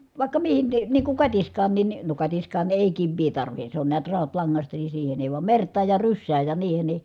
vaikka mihin niin niin kuin katiskaankin niin no katiskaan ei kivi tarvitse se on näet rautalangasta niin siihen ei vaan mertaan ja rysään ja niihin niin